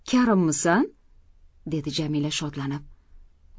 karimmisan dedi jamila shodlanib